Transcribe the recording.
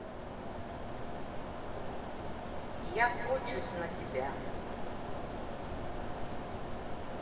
я хочусь на тебя